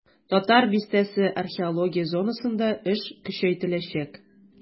"татар бистәсе" археология зонасында эш көчәйтеләчәк.